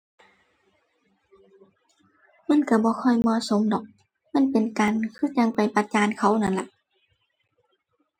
มันก็บ่ค่อยเหมาะสมดอก มันเป็นการคือจั่งไปประจานเขานั่นล่ะ